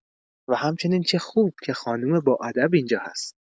و همچنین چه خوب که خانوم با ادب اینجا هست